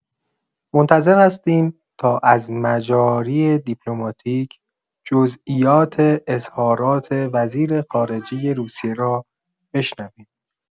منتظر هستیم تا از مجاری دیپلماتیک جزئیات اظهارات وزیرخارجه روسیه را بشنویم.